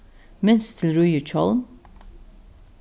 minst til ríðihjálm